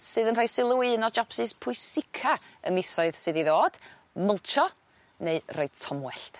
...sydd yn rhoi sylw i un o jopsys pwysica y misoedd sydd i ddod myltsio neu roi tomwellt.